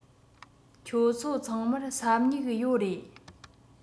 ཁྱོད ཚོ ཚང མར ས སྨྱུག ཡོད རེད